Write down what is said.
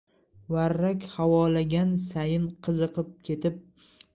varrak havolagan sayin qiziqib ketib